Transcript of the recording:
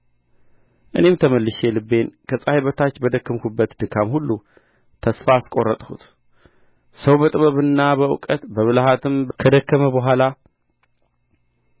እኔም ተመልሼ ልቤን ከፀሐይ በታች በደከምሁበት ድካም ሁሉ ተስፋ አስቈረጥሁት ሰው በጥበብና በእውቀት በብልሃትም ከደከመ በኋላ